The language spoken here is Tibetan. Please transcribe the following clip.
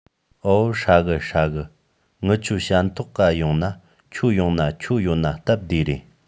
འོ ཧྲ གི ཧྲ གི ངི ཆོ ཞན ཐོག ག ཡོང ན ཁྱོད ཡོང ན ཁྱོད ཡོད ན སྟབས བདེ རེད